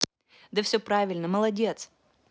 да все правильно молодец